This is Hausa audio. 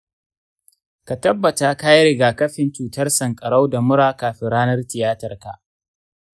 ka tabbata ka yi rigakafin cutar sankarau da mura kafin ranar tafiyarka.